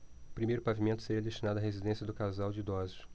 o primeiro pavimento seria destinado à residência do casal de idosos